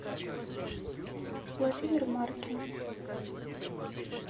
владимир маркин